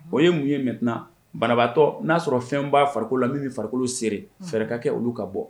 O ye mun ye mɛnt banabaatɔ n'a sɔrɔ fɛn b'a farikolo la min bɛ farikolo siri fɛrɛɛrɛ kɛ olu ka bɔ